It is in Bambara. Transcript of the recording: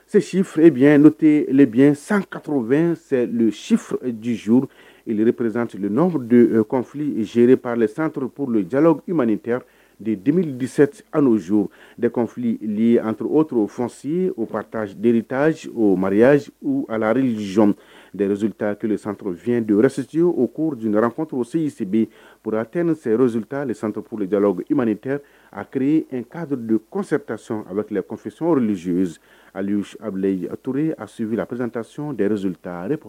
Sesiurebuyyɛn n'o tɛ biyɛn sankatero2 sifusizouru repreztelfi zepril sanpurpurl ja i ma dedsɛte anzo defi ant our fsie o kata ta o mari reriz dezoeta kelenle sanrofiy de zsi o kodd9tero sesise purte ni se zoita sanpure ja mate akire k' kɔsɛretas a bɛ tiles zoyz bu atour asivurreztac ɛrɛzoetarep